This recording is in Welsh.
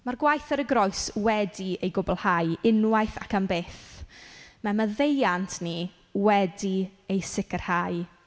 Ma'r gwaith ar y groes wedi ei gwblhau, unwaith ac am byth. Ma' maddeuant ni wedi ei sicrhau.